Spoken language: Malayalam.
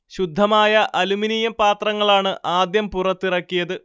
ശുദ്ധമായ അലുമിനിയം പാത്രങ്ങളാണ് ആദ്യം പുറത്തിറക്കിയത്